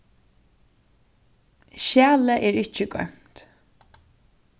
skjalið er ikki goymt